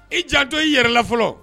I jato i yɛrɛ la fɔlɔ